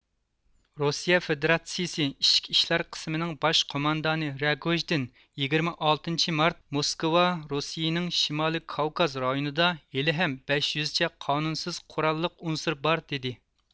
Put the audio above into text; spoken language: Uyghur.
روسىيە فىدراتسىيىسى ئىچكى ئىشلار قىسمىنىڭ باش قوماندانى رەگوژدىن يىگىرمە ئالتىنچى مارت مۇسكۋادا روسىيىنىڭ شىمالىي كاۋكاز رايونىدا ھېلىھەم بەش يۈزچە قانۇنسىز قۇراللىق ئۇنسۇر بار دېدى